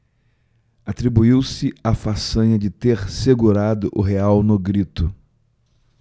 atribuiu-se a façanha de ter segurado o real no grito